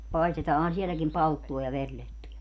paistetaanhan sielläkin palttua ja verilettuja